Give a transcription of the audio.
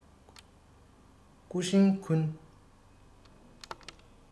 ཀུའོ ཧྲེང ཁུན